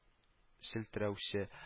Челтерәүче